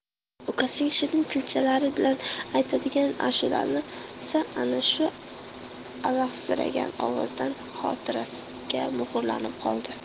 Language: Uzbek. ukasining shirin tilchalari bilan aytadigan ashulasi ana shu alahsiragan ovozdan xotirasiga muhrlanib qoldi